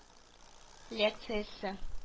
Лекциясе